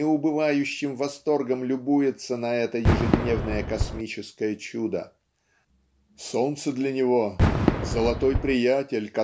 неубывающим восторгом любуется на это ежедневное космическое чудо. Солнце для него "золотой приятель"